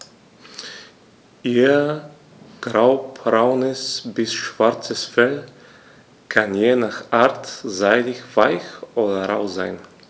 Ihr graubraunes bis schwarzes Fell kann je nach Art seidig-weich oder rau sein.